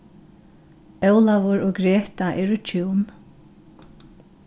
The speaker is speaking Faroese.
ólavur og greta eru hjún